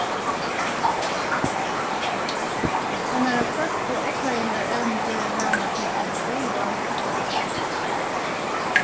hennara skørpu eygleiðingarevni gera hana til ein góðan fotograf